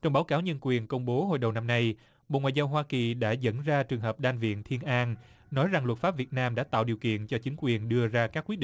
trong báo cáo nhân quyền công bố hồi đầu năm nay bộ ngoại giao hoa kỳ đã dẫn ra trường hợp đan viện thiên an nói rằng luật pháp việt nam đã tạo điều kiện cho chính quyền đưa ra các quyết